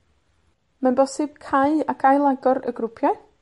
Mae'n bosib cau ac ail-agor y grwpiau.